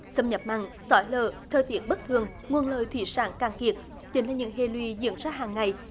xâm nhập mặn xói lở thời tiết bất thường nguồn lợi thủy sản cạn kiệt chính là những hệ lụy diễn ra hằng ngày